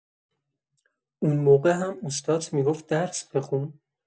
اون موقع هم اوستات می‌گفت درس بخون؟